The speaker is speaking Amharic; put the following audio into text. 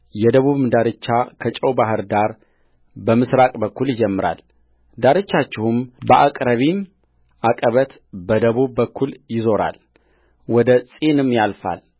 የደቡቡም ዳርቻ ከጨው ባሕር ዳር በምሥራቅ በኩል ይጀምራልዳርቻችሁም በአቅረቢም ዐቀበት በደቡብ በኩል ይዞራል ወደ ጺንም ያልፋል